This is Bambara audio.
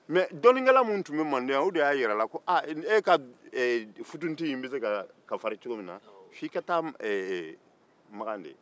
mɛ dɔnnikɛla minnu tun bɛ manden yan olu de y'a jira a la ko aa e ka futunti in be se ka kafari cogo min na f'i ka taa maka de